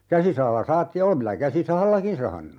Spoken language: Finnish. käsisahalla sahattiin ja olen minä käsisahallakin sahannut